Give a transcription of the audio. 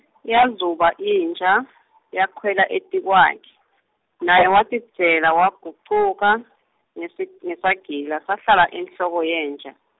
Yazuba inja, yekhwela etikwakhe, naye watidzela wagucuka ngese ngesagila, sahlala enhloko yenja.